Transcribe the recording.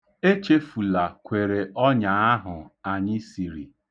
Echefula kwere ọnya ahụ anyị siri.